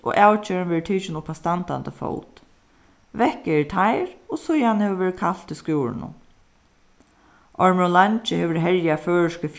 og avgerðin verður tikin upp á standandi fót vekk eru teir og síðan hevur verið kalt í skúrinum ormurin langi hevur herjað føroysku